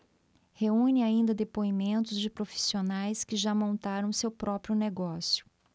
reúne ainda depoimentos de profissionais que já montaram seu próprio negócio